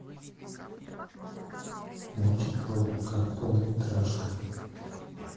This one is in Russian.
мультик про вулкан полнометражка